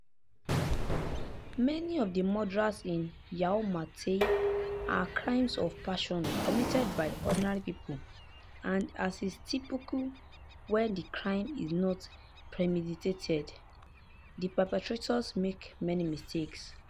Many of the murders in Yau Ma Tei are crimes of passion committed by ordinary people, and as is typical when the crime is not premeditated, the perpetrators make many mistakes.